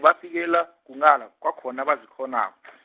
bafikelwa, kunghala kwakhona abazikghonako .